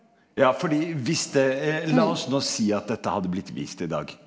ja fordi hvis det la oss nå si at dette hadde blitt vist i dag.